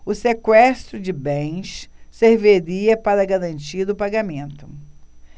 o sequestro de bens serviria para garantir o pagamento